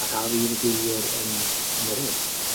Ac a fydd y gwyliwr yn ymyrrid?